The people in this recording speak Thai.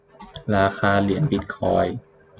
ราคาเหรียญบิทคอยน์